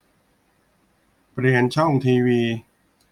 เปลี่ยนช่องทีวี